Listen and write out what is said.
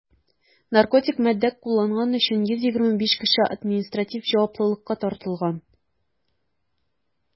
Наркотик матдә кулланган өчен 125 кеше административ җаваплылыкка тартылган.